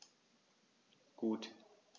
Gut.